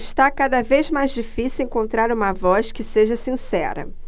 está cada vez mais difícil encontrar uma voz que seja sincera